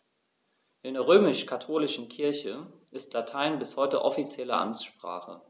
In der römisch-katholischen Kirche ist Latein bis heute offizielle Amtssprache.